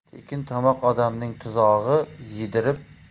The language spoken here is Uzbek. tekin tomoq odamning tuzog'i